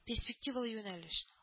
Перспективалы юнәлеш